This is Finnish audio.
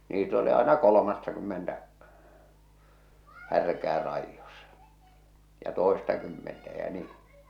niitä oli aina kolmattakymmentä härkää raidossa ja toistakymmentä ja niin